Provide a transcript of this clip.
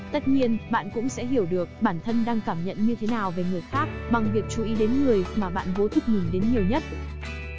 tất nhiên bạn cũng sẽ hiểu được bản thân đang cảm nhận như thế nào về người khác bằng việc chú ý đến người mà bạn vô thức nhìn đến nhiều nhất